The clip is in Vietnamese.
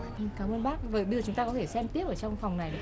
cảm ơn bác vậy bây giờ chúng ta có thể xem tiếp ở trong phòng này